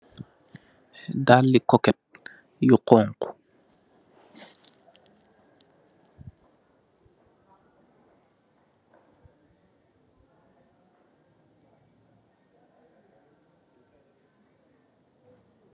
Daali koket, yu xooñxu.